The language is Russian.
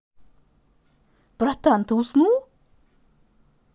братан ты уснул